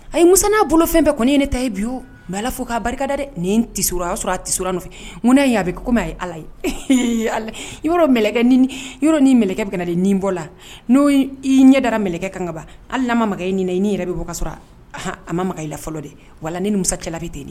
A ye mu n'a bolo fɛn bɛɛ kɔni ye ne ta ye bi fo k'a barika da dɛ nin teur o y'a sɔrɔ asu nɔfɛ munna'a y' a bɛ ko a ye ala ye i' yɔrɔ nikɛ ka di nin bɔ la n'o' ɲɛ da nɛgɛ kanba hali ma ma i ɲinin i' yɛrɛ bɛ bɔ ka sɔrɔ a ma ma i la fɔlɔ de wa ni masa cɛla bɛ ten